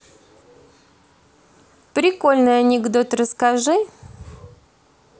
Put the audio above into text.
прикольный анекдот расскажи